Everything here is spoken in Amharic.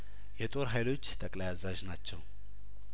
የጦር ሀይሎች ጠቅላይ አዛዥ ናቸው